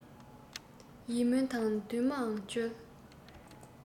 ཡིད སྨོན དང འདུན མའང བཅོལ